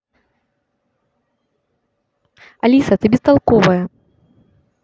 алиса ты бестолковая